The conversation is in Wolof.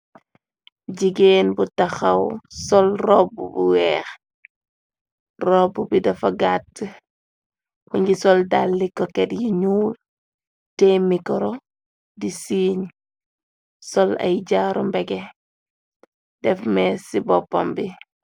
Jigeen bu taxaw sol robb bu weex robb bi dafa gàtt. Ku ngi sol dalli koket yi ñuul tee mikoro di siiñ. Sol ay jaaru mbege def mees ci boppam bi.